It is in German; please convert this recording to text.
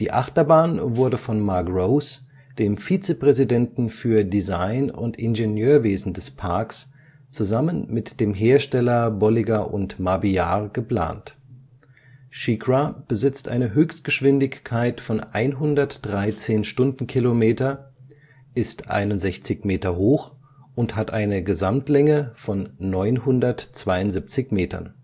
Achterbahn wurde von Mark Rose, dem Vizepräsidenten für Design und Ingenieurwesen des Parks, zusammen mit dem Hersteller Bolliger & Mabillard geplant. Sheikra besitzt eine Höchstgeschwindigkeit von 113 km/h, ist 61 Meter hoch und hat eine Gesamtlänge von 972 Metern